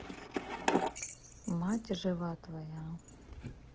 мать жива твоя